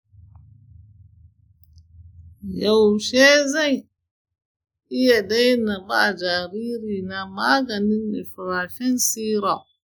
yaushe zan iya daina ba jaririna maganin nevirapine syrup?